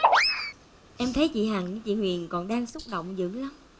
em thấy chị hằng với chị huyền còn đang xúc động dữ lắm